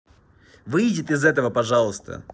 выйдет из этого пожалуйста